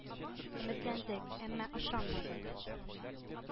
Өметләндек, әмма ышанмадык.